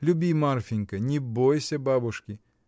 Люби, Марфинька, не бойся бабушки.